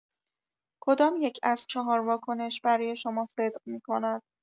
کدام‌یک از چهار واکنش برای شما صدق می‌کند؟